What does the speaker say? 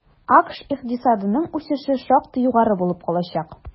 АКШ икътисадының үсеше шактый югары булып калачак.